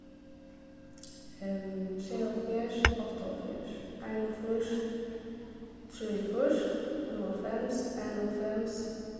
sjeyoghálvfjerðs áttaoghálvfjerðs einogfýrs trýogfýrs fimmoghálvfems einoghálvfems